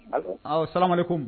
Allo awɔ salamalekum